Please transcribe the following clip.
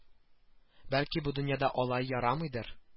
Бәлки бу дөньяда алай ярамыйдыр